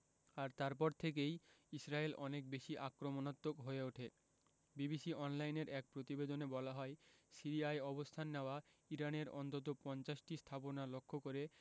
আর তারপর থেকেই ইসরায়েল অনেক বেশি আক্রমণাত্মক হয়ে ওঠে বিবিসি অনলাইনের এক প্রতিবেদনে বলা হয় সিরিয়ায় অবস্থান নেওয়া ইরানের অন্তত ৫০টি স্থাপনা লক্ষ্য করে